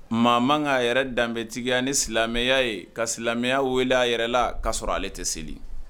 Maa man ka yɛrɛ danbetigiya ni silamɛya ye ka silamɛya wele a yɛrɛ la k'a sɔrɔ ale tɛ seli.